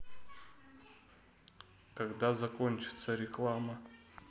когда закончится реклама